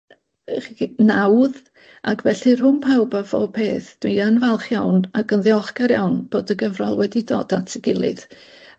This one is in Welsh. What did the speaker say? ych- ch- nawdd ac felly rhwng pawb a phob peth, dwi yn falch iawn ac yn ddiolchgar iawn bod y gyfrol wedi dod at 'i gilydd